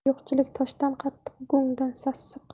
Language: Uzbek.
yo'qchilik toshdan qattiq go'ngdan sassiq